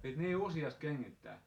piti niin useasti kengittää